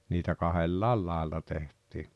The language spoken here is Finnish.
niitä kahdella lailla tehtiin